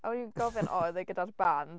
A o'n i'n gofyn "oedd e gyda'r band?"